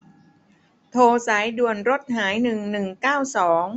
โทรสายด่วนรถหายหนึ่งหนึ่งเก้าสอง